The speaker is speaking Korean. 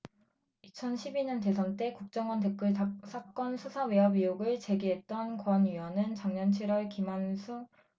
이천 십 이 년 대선 때 국정원 댓글 사건 수사 외압 의혹을 제기했던 권 의원은 작년 칠 월 김한길 안철수 공동대표 때 전략 공천으로 당선됐다